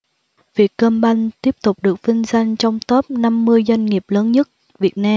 vietcombank tiếp tục được vinh danh trong top năm mươi doanh nghiệp lớn nhất việt nam